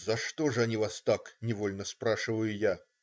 "За что же они вас так?" - невольно спрашиваю я.